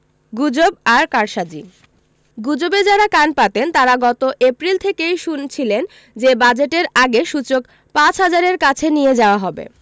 গুজব আর কারসাজি গুজবে যাঁরা কান পাতেন তাঁরা গত এপ্রিল থেকেই শুনছিলেন যে বাজেটের আগে সূচক ৫ হাজারের কাছে নিয়ে যাওয়া হবে